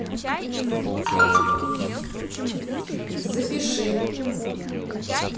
запиши